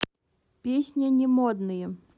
песня не модные